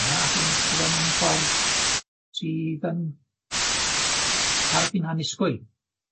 hwnna ac yn ysgrifennu mewn ffordd sydd yn tarfu'n annisgwyl.